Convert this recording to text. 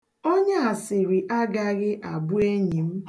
Onyeasịrị agaghị abụ enyi m.